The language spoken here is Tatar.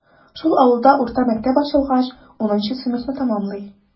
Шул авылда урта мәктәп ачылгач, унынчы сыйныфны тәмамлый.